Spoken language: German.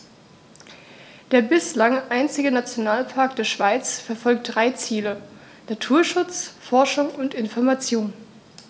Der bislang einzige Nationalpark der Schweiz verfolgt drei Ziele: Naturschutz, Forschung und Information.